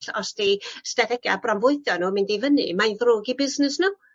ll- os 'di stadega bronfwydo n'w yn mynd i fyny mae'n ddrwg i busnes n'w.